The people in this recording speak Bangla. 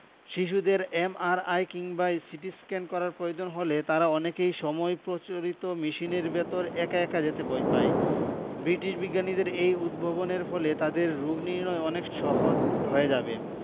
শিশুদের এমআরআই কিংবা সিটিস্ক্যান করার প্রয়োজন হলে তারা অনেকেই সময় প্রচলিত মেশিনের ভেতর একা একা যেতে ভয় পায় ব্রিটিশ বিজ্ঞানীদের এই উদ্ভবনের ফলে তাদের রোগনির্নয় অনেক সহজ হয়ে যাবে